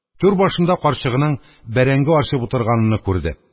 Түр башында карчыгының бәрәңге арчып утырганыны күрде.